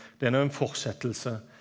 det er no ein framhald.